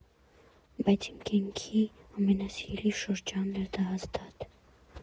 Բայց իմ կյանքի ամենասիրելի շրջանն էր, դա հաստատ։